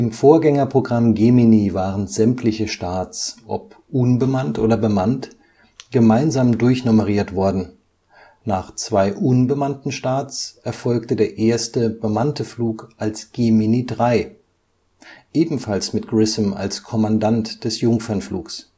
Vorgängerprogramm Gemini waren sämtliche Starts, ob unbemannt oder bemannt, gemeinsam durchnummeriert worden: nach zwei unbemannten Starts erfolgte der erste bemannte Flug als Gemini 3, ebenfalls mit Grissom als Kommandant des Jungfernflugs